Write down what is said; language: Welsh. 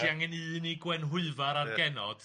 ti angen un i Gwenhwyfar a'r genod... Ia...